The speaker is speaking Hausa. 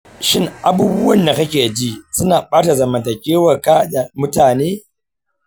shin abubuwan da kake ji suna ɓata zamantakewar ka da mutane?